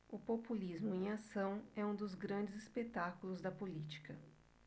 o populismo em ação é um dos grandes espetáculos da política